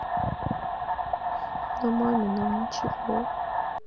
на маме нам ничего